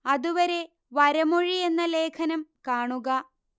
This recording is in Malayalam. അതുവരെ വരമൊഴി എന്ന ലേഖനം കാണുക